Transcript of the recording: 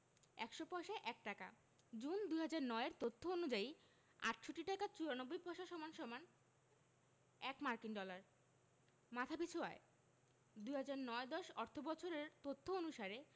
১০০ পয়সায় ১ টাকা জুন ২০০৯ এর তথ্য অনুযায়ী ৬৮ টাকা ৯৪ পয়সা সমান সমান ১ মার্কিন ডলার মাথাপিছু আয়ঃ ২০০৯ ১০ অর্থবছরের তথ্য অনুসারে